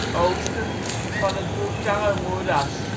oosten van het Bourtangermoeras